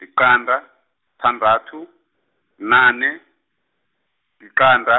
liqanda, thandathu, bunane, liqanda,